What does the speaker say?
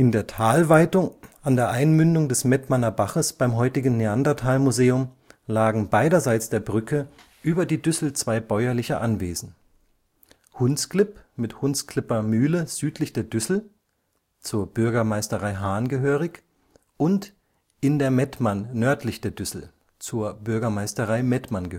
der Talweitung an der Einmündung des Mettmanner Baches beim heutigen Neanderthal-Museum lagen beiderseits der Brücke über die Düssel zwei bäuerliche Anwesen: Hundsklipp mit Hundsklipper Mühle südlich der Düssel (Bürgermeisterei Haan) und In der Medtman nördlich der Düssel (Bürgermeisterei Mettmann